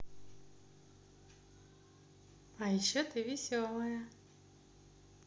а еще ты веселая